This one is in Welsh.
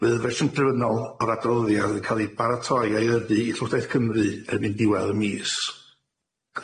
Bydd y fersiwn drefnol o'r adroddiad yn ca'l 'i baratoi a'i yrru i Llywodraeth Cymru erbyn diwadd y mis.